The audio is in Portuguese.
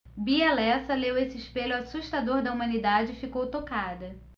bia lessa leu esse espelho assustador da humanidade e ficou tocada